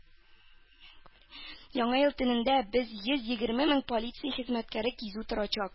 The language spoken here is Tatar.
Яңа ел төнендә без йөз егерме мең полиция хезмәткәре кизү торачак.